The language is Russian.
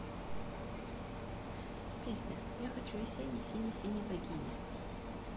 песня я хочу весенний синий синий богини